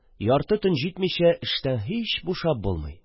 . ярты төн җитмичә эштән һич бушап булмый.